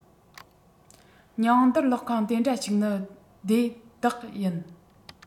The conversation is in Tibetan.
ཉིང རྡུལ གློག ཁང དེ འདྲ ཞིག ནི སྡེ བདག ཡིན